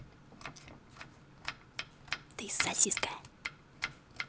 ты сосиска